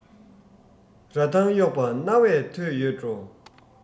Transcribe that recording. ར ཐང གཡོགས པ རྣ བས ཐོས ཡོད འགྲོ